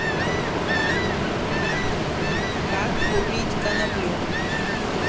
как купить коноплю